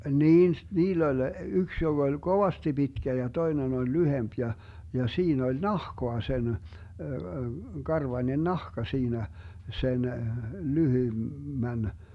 niin - niillä oli yksi joka oli kovasti pitkä ja toinen oli lyhyempi ja ja siinä oli nahkaa sen karvainen nahka siinä sen - lyhyemmän